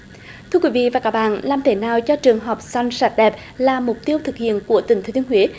thưa quý vị và các bạn làm thế nào cho trường học xanh sạch đẹp là mục tiêu thực hiện của tỉnh thừa thiên huế